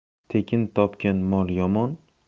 tekin topgan mol